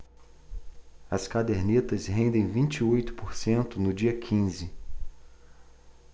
as cadernetas rendem vinte e oito por cento no dia quinze